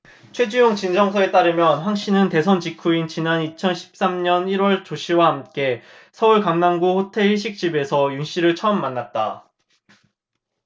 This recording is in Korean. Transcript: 최지용진정서에 따르면 황씨는 대선 직후인 지난 이천 십 삼 년 일 월 조씨와 함께 서울 강남구 호텔 일식집에서 윤씨를 처음 만났다